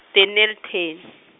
Dennilton .